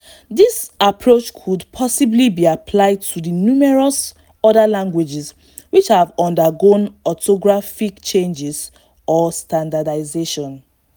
This approach could possibly be applied to the numerous other languages which have undergone orthographic changes or standardization.